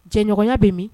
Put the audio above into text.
Cɛɲɔgɔnya bɛ min